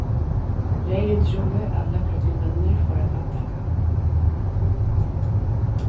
regin trúði at løgreglumenninir fóru at handtaka hann